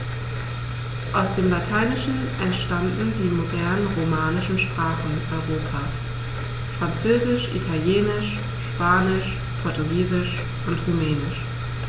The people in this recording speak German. Aus dem Lateinischen entstanden die modernen „romanischen“ Sprachen Europas: Französisch, Italienisch, Spanisch, Portugiesisch und Rumänisch.